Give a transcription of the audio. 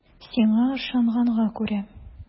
Сиңа ышанганга күрә.